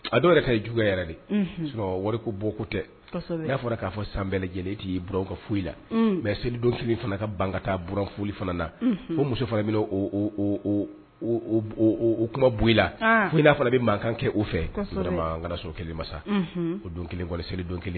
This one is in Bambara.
A dɔw yɛrɛ ka juguya yɛrɛ de sɔ wari ko bɔ ko tɛ i y'a fɔra k'a fɔ san bɛɛlɛ lajɛlen t y'i b ka foyi la mɛ seli don kelen fana ka ban ka taa b foyi fana na ko muso fana bɛ kuma bɔ ila ko'a fana bɛ mankan kɛ o fɛ makankaso kelen masa o don kelen seli don kelen